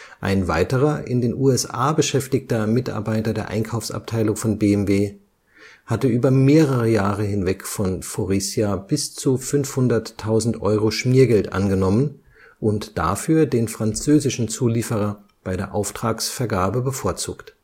Ein weiterer, in den USA beschäftigter Mitarbeiter der Einkaufsabteilung von BMW hatte über mehrere Jahre hinweg von Faurecia bis zu 500.000 € Schmiergeld angenommen und dafür den französischen Zulieferer bei der Auftragsvergabe bevorzugt